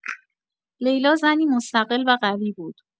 لیلا زنی مستقل و قوی بود.